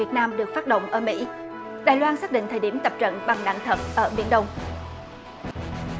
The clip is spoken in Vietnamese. việt nam được phát động ở mỹ đài loan xác định thời điểm tập trận bắn đạn thật ở biển đông và